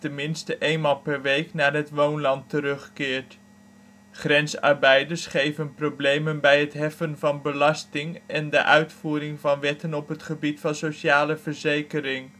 minste eenmaal per week naar het woonland terugkeert. Grensarbeiders geven problemen bij het heffen van belasting en de uitvoering van wetten op het gebied van de sociale verzekering